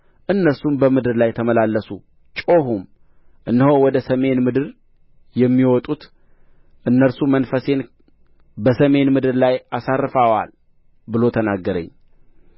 እነርሱም በምድር ላይ ተመላለሱ ጮኾም እነሆ ወደ ሰሜን ምድር የሚወጡት እነርሱ መንፈሴን በሰሜን ምድር ላይ አሳርፈዋል ብሎ ተናገረኝ